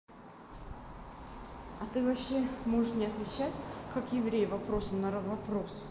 а ты вообще можешь не отвечать как еврей вопросом на вопрос